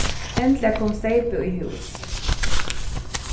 endiliga kom steypið í hús